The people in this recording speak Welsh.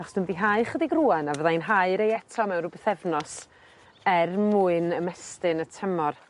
achos dwi mynd i hau chydig rŵan a fyddai'n hau rei eto mewn rw bythefnos er mwyn ymestyn y tymor.